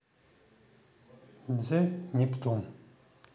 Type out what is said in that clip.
the нептун